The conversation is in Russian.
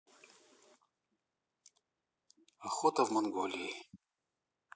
охота в монголии